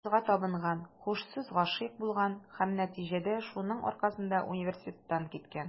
Ул кызга табынган, һушсыз гашыйк булган һәм, нәтиҗәдә, шуның аркасында университеттан киткән.